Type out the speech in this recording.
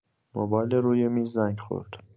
موبایل روی میز زنگ خورد.